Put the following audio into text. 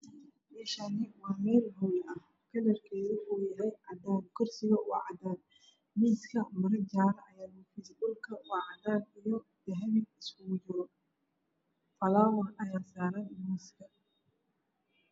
Meeshaan waa meel hool ah kalarkeedu waa cadaan. Kursiga waa cadaan miiska maro jaale ayaa kufidsan. Dhulkana waa cadaan iyo dahabi isku jiro. falaawar ayaa saaran miiska.